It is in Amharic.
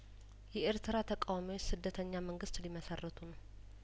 የኤርትራ ተቃዋሚዎች ስደተኛ መንግስት ሊመሰርቱ ነው